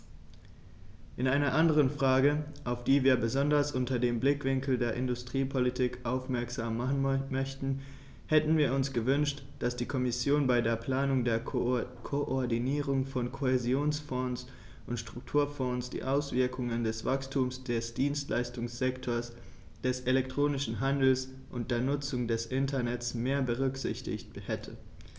In einer anderen Frage, auf die wir besonders unter dem Blickwinkel der Industriepolitik aufmerksam machen möchten, hätten wir uns gewünscht, dass die Kommission bei der Planung der Koordinierung von Kohäsionsfonds und Strukturfonds die Auswirkungen des Wachstums des Dienstleistungssektors, des elektronischen Handels und der Nutzung des Internets mehr berücksichtigt hätte.